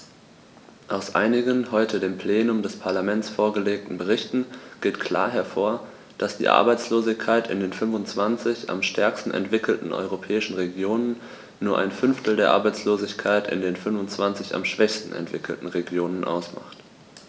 Aus einigen heute dem Plenum des Parlaments vorgelegten Berichten geht klar hervor, dass die Arbeitslosigkeit in den 25 am stärksten entwickelten europäischen Regionen nur ein Fünftel der Arbeitslosigkeit in den 25 am schwächsten entwickelten Regionen ausmacht.